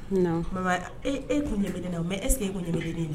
Baba e e kun de kelen na mɛ eseke ee kun nin kelen nin la